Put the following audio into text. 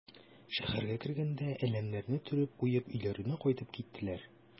Шәһәргә кергәндә әләмнәрне төреп куеп өйләренә кайтып киттеләр.